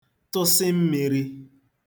tụsị mmīrī